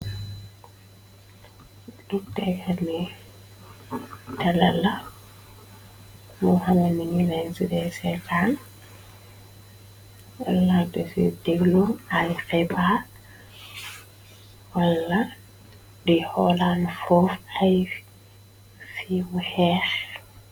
dukekn telala mo anannlncfan latci delu ay xeba wala du holan fuf ay fimu xexe